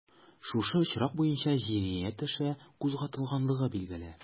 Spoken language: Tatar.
Шушы очрак буенча җинаять эше кузгатылганлыгы билгеле.